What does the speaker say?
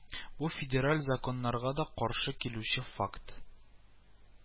Бу федераль законнарга да каршы килүче факт